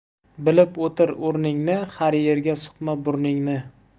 bilib o'tir o'rningni har yerga suqma burningni